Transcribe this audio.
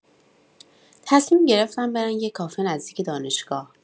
تصمیم گرفتن برن یه کافه نزدیک دانشگاه.